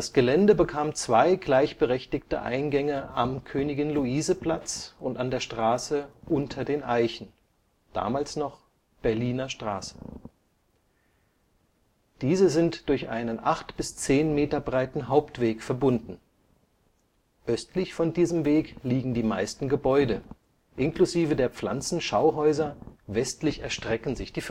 Gelände bekam zwei gleichberechtigte Eingänge am Königin-Luise-Platz und an der Straße Unter den Eichen (damals noch: Berliner Straße). Diese sind durch einen acht bis zehn Meter breiten Hauptweg verbunden. Östlich von diesem Weg liegen die meisten Gebäude, inklusive der Pflanzenschauhäuser, westlich erstrecken sich die